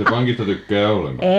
ettekö te pankista tykkää ollenkaan